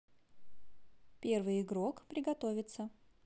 первый игрок приготовиться